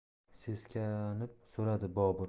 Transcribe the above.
seskanib so'radi bobur